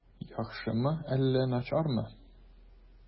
Яхшымы әллә начармы?